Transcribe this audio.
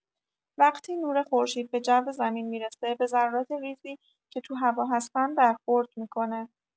وقتی نور خورشید به جو زمین می‌رسه، به ذرات ریزی که تو هوا هستن برخورد می‌کنه.